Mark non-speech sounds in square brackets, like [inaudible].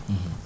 [hesitation] [hesitation]